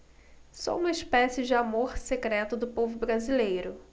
sou uma espécie de amor secreto do povo brasileiro